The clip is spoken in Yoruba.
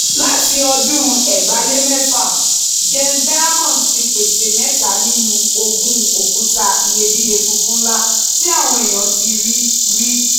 Láti ọdún 2006, Gem Diamonds ti pèsè mẹ́ta nínú 20 òkúta iyebíye funfun ńlá tí àwọn èèyàn ti rí rí.